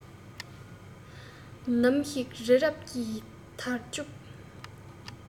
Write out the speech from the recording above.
ནམ ཞིག རི རབ ཀྱི འདར ལྕུག